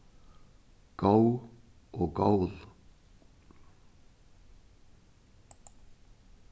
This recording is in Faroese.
góð og gól